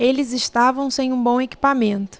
eles estavam sem um bom equipamento